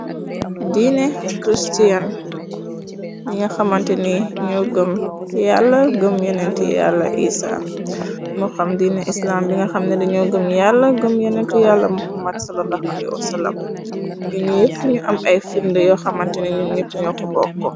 diine christian bi nga xamante ni ñoo gëm yàlla gëm yeneenti yàlla isa mu xam diine islan bi nga xamna di ñoo gëm yàll gëm yeneenti yàlla muhammad salo laxaliwa salam ñu ñu yepp ñu am ay firnde yo xamante ni ñ ñepp ño ko bokko